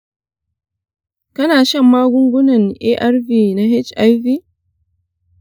kana shan magungunan arv na hiv?